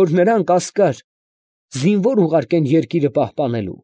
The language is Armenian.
որ նրանք ասկար (զինվոր) ուղարկեն երկիրը պահպանելու։